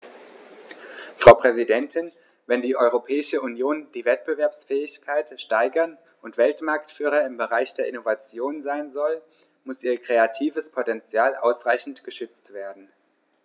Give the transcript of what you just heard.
Frau Präsidentin, wenn die Europäische Union die Wettbewerbsfähigkeit steigern und Weltmarktführer im Bereich der Innovation sein soll, muss ihr kreatives Potential ausreichend geschützt werden.